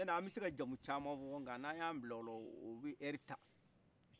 cɛna anbiseka jamu caman fɔ nga n'an ya bila ola obi hɛrita